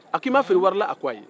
a k'i ma feere wari la a ko ayi